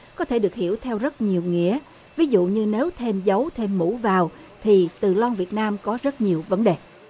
có thể được hiểu theo rất nhiều nghĩa ví dụ như nếu thêm dấu thêm mũ vào thì từ lon việt nam có rất nhiều vấn đề